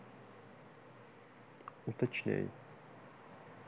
уточняй